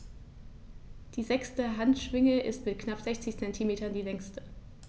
Die sechste Handschwinge ist mit knapp 60 cm die längste.